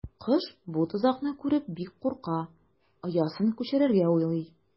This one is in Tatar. Кош бу тозакны күреп бик курка, оясын күчерергә уйлый.